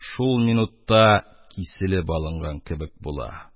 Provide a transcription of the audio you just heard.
Шул минутта киселеп алынган кебек була.